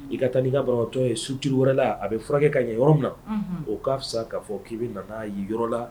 I ka taa ni ka banabaatɔ ye structure wɛrɛ la a bi furakɛ ka ɲɛ yɔrɔ min na , o ka fisa ka fɔ ki bi nana ye yɔrɔ la